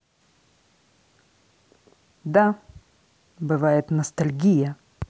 да бывает ностальгия